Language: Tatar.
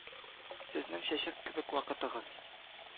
Сезнең чәчәк кебек вакытыгыз